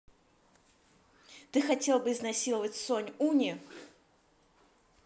ты хотел бы изнасиловать сонь уни